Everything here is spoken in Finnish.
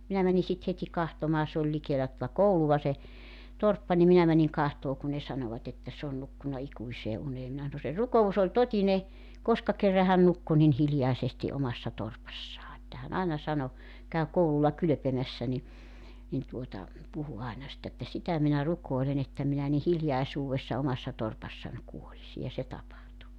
minä menin sitten heti katsomaan se oli likellä tuota koulua se torppa niin minä menin katsomaan kun ne sanoivat että se on nukkunut ikuiseen uneen minä sanoin se rukous oli totinen koska kerran hän nukkui niin hiljaisesti omassa torpassaan että hän aina sanoi kävi koululla kylpemässä niin niin tuota puhui aina sitten että sitä minä rukoilen että minä niin hiljaisuudessa omassa torpassani kuolisin ja se tapahtui